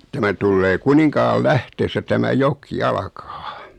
tämä tulee Kuninkaanlähteessä tämä joka alkaa